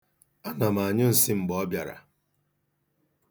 Ana m anyụ nsị mgbe ọ bịara.